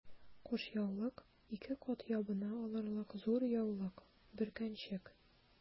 Кушъяулык— ике кат ябына алырлык зур яулык, бөркәнчек...